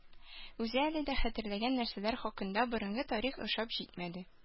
Үзе әле дә хәтерләгән нәрсәләр хакында борынгы тарих ошап җитмәде